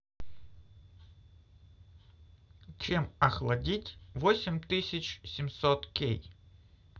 чем охладить восемь тысяч семьсот кей